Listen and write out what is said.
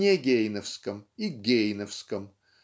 негейневском и гейневском